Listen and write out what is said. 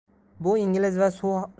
bu ingliz va